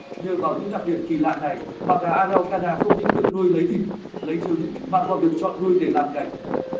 nhờ vào những đặc điểm kỳ lạ này mà gà araucana không những được nuôi lấy thịt lấy trứng mà còn được chọn nuôi để làm cảnh